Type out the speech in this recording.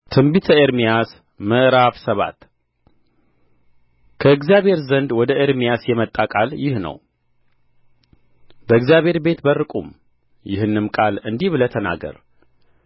ትንቢተ ኤርምያስ ምዕራፍ ሰባት ከእግዚአብሔር ዘንድ ወደ ኤርምያስ የመጣ ቃል ይህ ነው በእግዚአብሔር ቤት በር ቁም ይህንም ቃል እንዲህ ብለህ ተናገር